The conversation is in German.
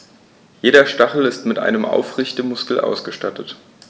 Jeder Stachel ist mit einem Aufrichtemuskel ausgestattet.